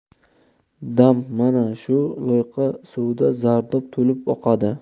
dam mana shu loyqa suvday zardob to'lib oqadi